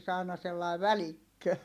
onhan niissä aina sellainen välikkö